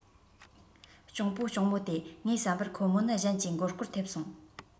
གཅུང པོ གཅུང མོ སྟེ ངའི བསམ པར ཁོ མོ ནི གཞན གྱི མགོ སྐོར ཐེབས སོང